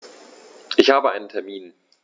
Ich habe einen Termin.